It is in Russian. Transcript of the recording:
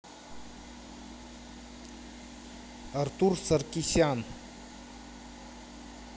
артур саркисян